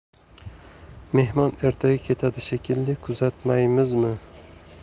mehmon ertaga ketadi shekilli kuzatmaymizmi